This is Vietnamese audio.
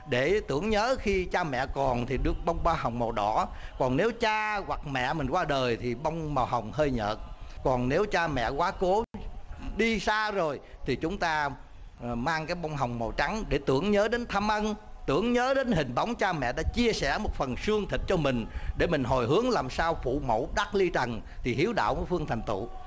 để tưởng nhớ khi cha mẹ còn thì nước bông hoa hồng màu đỏ còn nếu cha hoặc mẹ mình qua đời thì bông màu hồng hơi nhợt còn nếu cha mẹ quá cố đi xa rồi thì chúng ta mang cái bông hồng màu trắng để tưởng nhớ đến thăm ân tưởng nhớ đến hình bóng cha mẹ đã chia sẻ một phần xương thịt cho mình để mình hồi hướng làm sao phụ mẫu đắc ly trần thì hiếu đạo bốn phương thành tựu